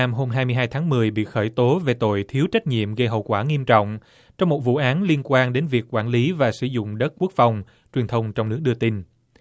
nam hôm hai mươi hai tháng mười bị khởi tố về tội thiếu trách nhiệm gây hậu quả nghiêm trọng trong một vụ án liên quan đến việc quản lý và sử dụng đất quốc phòng truyền thông trong nước đưa tin